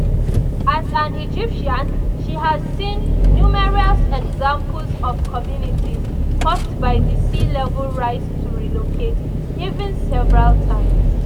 As an Egyptian, she has seen numerous examples of communities forced by the sea level rise to relocate, even several times.